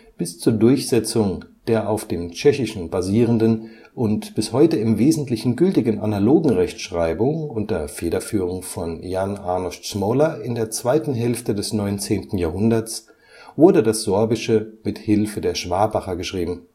Bis zur Durchsetzung der auf dem Tschechischen basierenden und bis heute im Wesentlichen gültigen „ analogen Rechtschreibung “unter Federführung von Jan Arnošt Smoler in der zweiten Hälfte des 19. Jahrhunderts wurde das Sorbische mithilfe der Schwabacher geschrieben